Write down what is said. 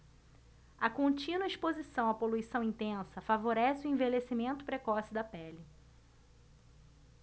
a contínua exposição à poluição intensa favorece o envelhecimento precoce da pele